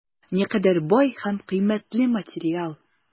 Никадәр бай һәм кыйммәтле материал!